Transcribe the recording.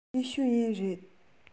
ལིའི ཞའོ ཡན རེད